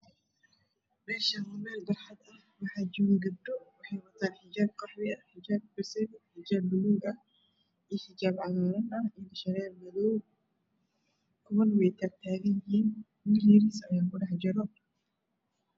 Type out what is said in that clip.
Meshan waa mel barxad ah waxa jogo gabdho waxey watan xijab qaxwi ah xijab baseline ah xijab bulug ah iyo xijab cagaar ah iyo indha sharer madow ah kuwana wey tag tagan yihin wil yaris aya ku dhax jiro